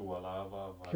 suolaan vain vai